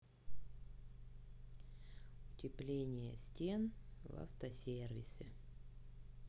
утепление стен в автосервисе